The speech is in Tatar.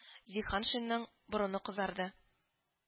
Җиһаншинның борыны кызарды